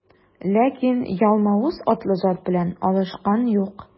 Ләкин Ялмавыз атлы зат белән алышкан юк.